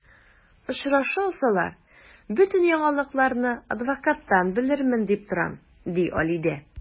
Очраша алсалар, бөтен яңалыкларны адвокаттан белермен дип торам, ди Алидә.